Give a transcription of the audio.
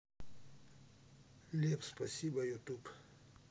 лепс спасибо ютуб